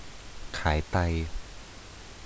ขายไต